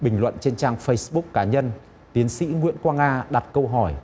bình luận trên trang phây búc cá nhân tiến sĩ nguyễn quang nga đặt câu hỏi